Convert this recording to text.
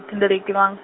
o thendeleki vang-.